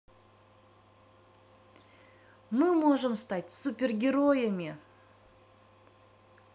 мы можем стать супергероями